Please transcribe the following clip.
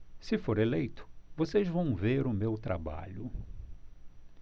se for eleito vocês vão ver o meu trabalho